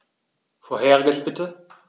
Vorheriges bitte.